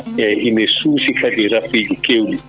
eyyi ina suusi kadi rafiji fewɗi